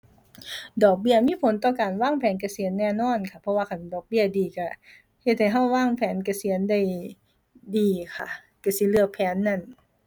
ดอกเบี้ยมีผลต่อการวางแผนเกษียณแน่นอนค่ะ เพราะว่าคันดอกเบี้ยดีก็เฮ็ดให้ก็วางแผนเกษียณได้ดีค่ะ ก็สิเลือกแผนนั้น